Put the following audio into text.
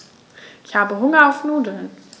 Ich habe Hunger auf Nudeln.